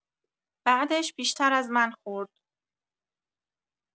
بعدش بیشتر از من خورد!